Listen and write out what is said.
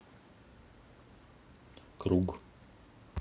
круг